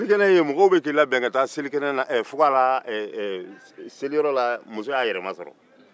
selikɛnɛ ye mɔgɔw bɛk'u labɛn ka taa selikɛ la muso y'a yɛrɛ sɔrɔ